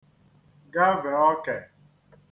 gavè ọkè